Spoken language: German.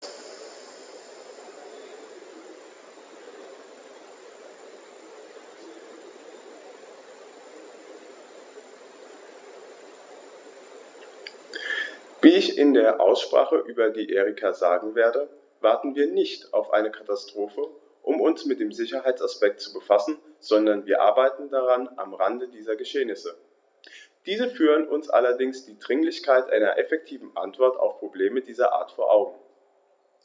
Wie ich in der Aussprache über die Erika sagen werde, warten wir nicht auf eine Katastrophe, um uns mit dem Sicherheitsaspekt zu befassen, sondern wir arbeiten daran am Rande dieser Geschehnisse. Diese führen uns allerdings die Dringlichkeit einer effektiven Antwort auf Probleme dieser Art vor Augen.